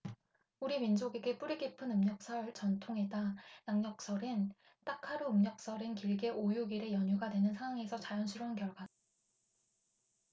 우리 민족에게 뿌리깊은 음력 설 전통에다 양력 설은 딱 하루 음력 설은 길게 오 육 일의 연휴가 되는 상황에서 자연스러운 결과다